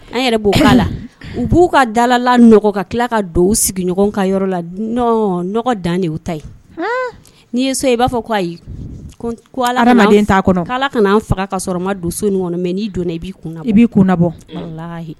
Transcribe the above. An yɛrɛ bɔ la u b'u ka dalala ka tila ka don sigiɲɔgɔn ka yɔrɔ la nɔn dan de ta yen n'i ye so i b'a fɔ ko ayi koa kɔnɔ kana faga ka sɔrɔ ma don kɔnɔ mɛ n'i donna i b'i kun i b'i kunbɔ